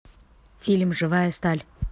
фильм живая сталь